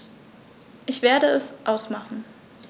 Ich werde es ausmachen